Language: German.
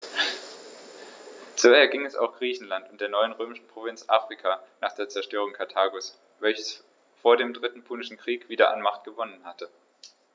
So erging es auch Griechenland und der neuen römischen Provinz Afrika nach der Zerstörung Karthagos, welches vor dem Dritten Punischen Krieg wieder an Macht gewonnen hatte.